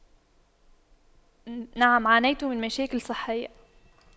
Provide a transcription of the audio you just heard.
نعم عانيت من مشاكل صحية